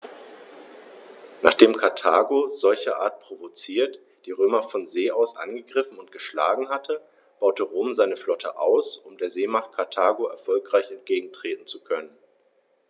Nachdem Karthago, solcherart provoziert, die Römer von See aus angegriffen und geschlagen hatte, baute Rom seine Flotte aus, um der Seemacht Karthago erfolgreich entgegentreten zu können.